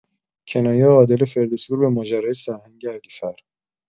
کنایه عادل فردوسی پور به ماجرای سرهنگ علیفر